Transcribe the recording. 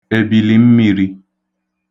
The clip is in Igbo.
èbìlìmmīrī